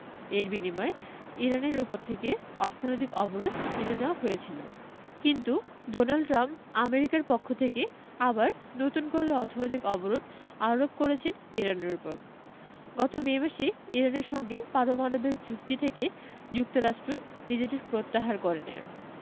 এর বিনিময়ে ইরানের ওপর থেকে অর্থনৈতিক অবরোধ তুলে নেওয়া হয়েছিল কিন্তু ডোনাল্ড ট্রাম্প আমেরিকার পক্ষ থেকে আবার নতুন করে অর্থনৈতিক অবরোধ আরোপ করেছেন ইরানের ওপর গত মে মাসে ইরানের সঙ্গে পারমাণবিক চুক্তি থেকে যুক্তরাষ্ট্র নিজেদের প্রত্যাহার করে নেন